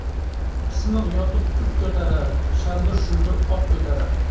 pismiq yotib put ko'tarar shaldir shuldir ot ko'tarar